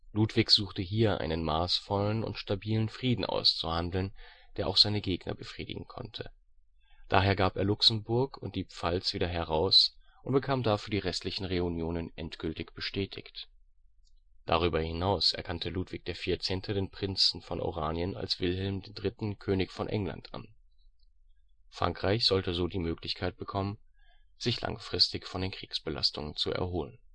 Ludwig suchte hier einen maßvollen und stabilen Frieden auszuhandeln, der auch seine Gegner befriedigen konnte. Daher gab er Luxemburg und die Pfalz wieder heraus und bekam dafür die restlichen Reunionen endgültig bestätigt. Darüber hinaus erkannte Ludwig XIV. den Prinzen von Oranien als Wilhelm III. König von England an. Frankreich sollte so die Möglichkeit bekommen, sich langfristig von den Kriegsbelastungen zu erholen